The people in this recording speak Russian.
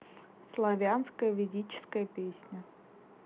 славянская ведическая песня